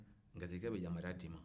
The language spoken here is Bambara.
gatigikɛ bɛ yamaruya d'i ma